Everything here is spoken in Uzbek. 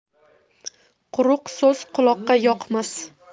quruq so'z quloqqa yoqmas